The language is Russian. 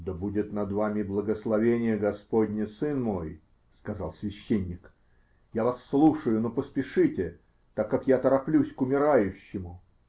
-- Да будет над вами благословение Господне, сын мой, -- сказал священник, -- я вас слушаю, но поспешите, так как я тороплюсь к умирающему.